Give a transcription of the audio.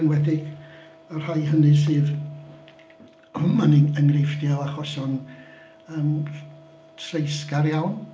Enwedig y rhai hynny sydd mewn enghreifftiau achosion yym treisgar iawn.